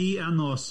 D-annos.